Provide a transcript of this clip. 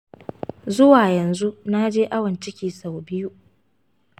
zuwa yanzu naje awon ciki sau biyu